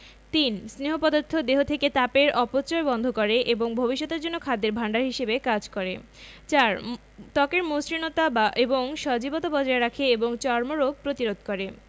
৩. স্নেহ পদার্থ দেহ থেকে তাপের অপচয় বন্ধ করে এবং ভবিষ্যতের জন্য খাদ্য ভাণ্ডার হিসেবে কাজ করে ৪. ত্বকের মসৃণতা এবং সজীবতা বজায় রাখে এবং চর্মরোগ প্রতিরোধ করে